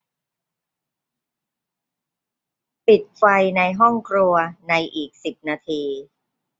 ปิดไฟในห้องครัวในอีกสิบนาที